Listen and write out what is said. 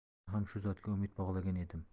men ham shu zotga umid bog'lagan edim